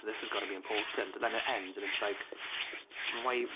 "This has got to be important." And then it ends and it's like "why"